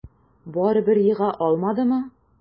Барыбер ега алмадымы?